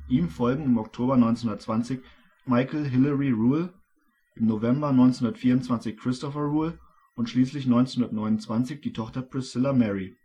Ihm folgen im Oktober 1920 Michael Hilary Reuel, im November 1924 Christopher Reuel und schließlich 1929 die Tochter Priscilla Mary